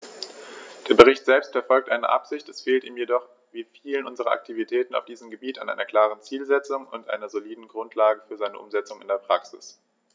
Der Bericht selbst verfolgt eine gute Absicht, es fehlt ihm jedoch wie vielen unserer Aktivitäten auf diesem Gebiet an einer klaren Zielsetzung und einer soliden Grundlage für seine Umsetzung in die Praxis.